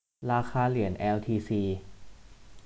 ราคาเหรียญแอลทีซี